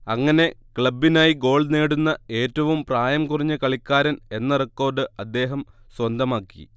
അങ്ങനെ ക്ലബ്ബിനായി ഗോൾ നേടുന്ന ഏറ്റവും പ്രായം കുറഞ്ഞ കളിക്കാരൻ എന്ന റെക്കോർഡ് അദ്ദേഹം സ്വന്തമാക്കി